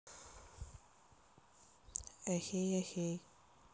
эхей эхей